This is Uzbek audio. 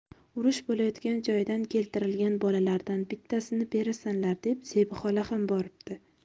urush bo'layotgan joydan keltirilgan bolalardan bittasini berasanlar deb zebi xola ham boribdi